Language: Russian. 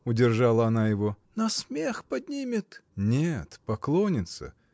— удержала она его, — на смех поднимет. — Нет — поклонится.